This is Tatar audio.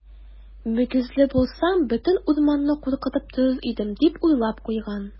Мөгезле булсам, бөтен урманны куркытып торыр идем, - дип уйлап куйган.